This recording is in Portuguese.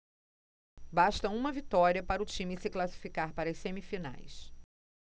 basta uma vitória para o time se classificar para as semifinais